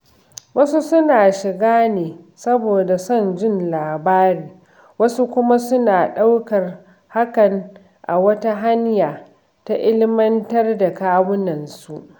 Wasu suna shiga ne saboda son jin labari; wasu kuma suna ɗaukar hakan a wata hanya ta ilmantar da kawunansu.